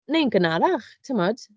Neu yn gynharach, timod?